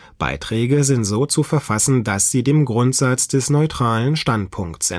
Beiträge sind so zu verfassen, dass sie dem Grundsatz des neutralen Standpunkts